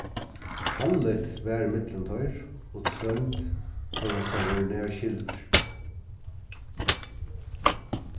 kaldligt var millum teir og trónd hóast teir vóru nær skyldir